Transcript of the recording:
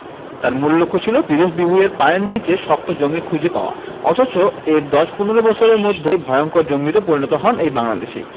তাঁর মূল লক্ষ্য ছিল বিদেশ বিভুঁইয়ের পায়ের নিচে শক্ত জমি খুঁজে পাওয়া অথচ এর ১০ ১৫ বছরের মধ্যেই ভয়ংকর জঙ্গিতে পরিণত হন এই বাংলাদেশি